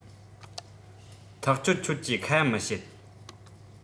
ཐག ཆོད ཁྱོད ཀྱིས ཁ ཡ མི བྱེད